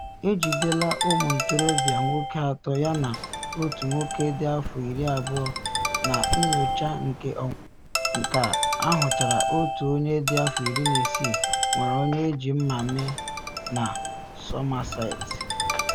Ejidela ụmụ ntorobịa nwoke atọ yana otu nwoke dị afọ 20 na nyocha nke ọnwụnwa igbu mmadụ ka ahụchara otu onye dị afọ 16 nwere ọnya eji mma mee na Somerset.